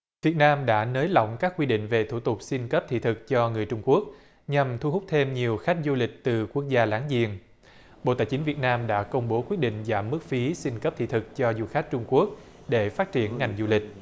việt nam đã nới lỏng các quy định về thủ tục xin cấp thị thực cho người trung quốc nhằm thu hút thêm nhiều khách du lịch từ quốc gia láng giềng bộ tài chính việt nam đã công bố quyết định giảm mức phí xin cấp thị thực cho du khách trung quốc để phát triển ngành du lịch